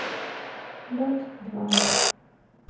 лед два